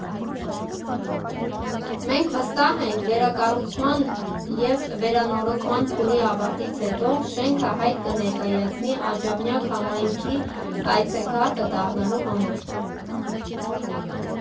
Մենք վստահ ենք՝ վերակառուցման և վերանորոգման փուլի ավարտից հետո շենքը հայտ կներկայացնի Աջափնյակ համայնքի այցեքարտը դառնալու համար։